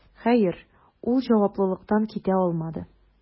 Хәер, ул җаваплылыктан китә алмады: